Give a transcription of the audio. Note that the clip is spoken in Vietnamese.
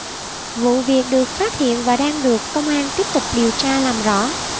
vụ việc được phát hiện và đang được công an tiếp tục điều tra làm rõ